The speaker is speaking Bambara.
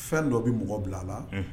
Fɛn dɔ bɛ mɔgɔ bila a la